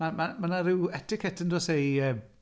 Ma' ma' ma' 'na ryw etiquette yn does e, i yy…